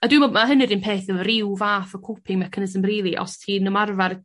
A dwi me'wl ma' hynny'r un peth efo ryw fath o coping mechanism rili os ti'n ymarfar